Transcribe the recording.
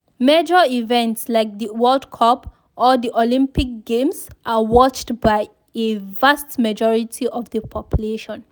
Major events like the World Cup or the Olympic Games are watched by a vast majority of the population.